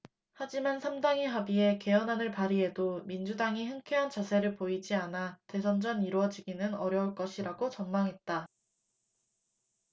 하지만 삼 당이 합의해 개헌안을 발의해도 민주당이 흔쾌한 자세를 보이지 않아 대선 전 이뤄지기는 어려울 것이라고 전망했다